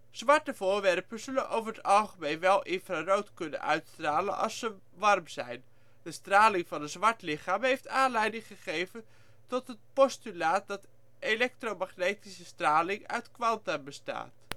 Zwarte voorwerpen zullen over het algemeen wel infrarood kunnen uitstralen als ze warm zijn. De straling van een zwart lichaam heeft aanleiding gegeven tot het postulaat dat elektromagnetische straling uit kwanta bestaat